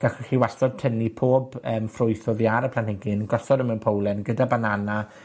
gallwch chi wastad tynnu pob yym ffrwyth oddi ar y planhigyn gosod e mewn powlen gyda banana